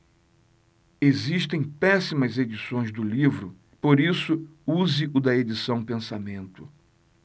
existem péssimas edições do livro por isso use o da edição pensamento